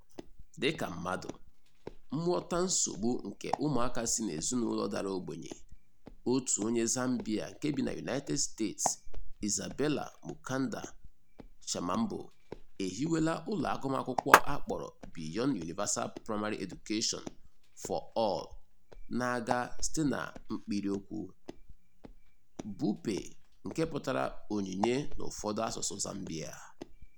Dịka mmadụ, nghọta nsogbu nke ụmụaka sị n'ezinaụlọ dara ogbenye, otu onye Zambia nke bị na United States, Isabella Mukanda Shamambo, e hiwela ụlọ agụmakwụkwọ a kpọrọ Beyond Universal Primary Education for All na-aga site na mkpịrịokwu, BUPE (nke pụtara "onyinye” n'ụfọdụ asụsụ Zambia).